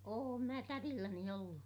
olen minä tädilläni ollut